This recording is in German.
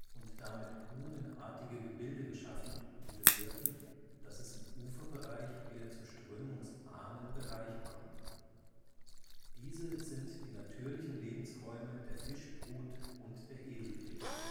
und damit buhnenartige Gebilde geschaffen, die bewirken, dass es im Uferbereich wieder zu strömungsarmen Bereichen kommt. Diese sind die natürlichen Lebensräume der Fischbrut und der Edelkrebse